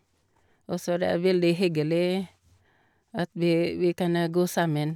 Og så det er veldig hyggelig at vi vi kan gå sammen.